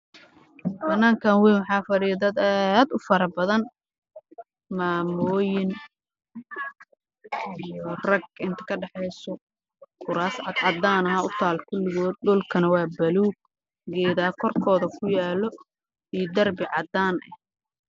Waa meel waxaa iskugu imaaday niman iyo naago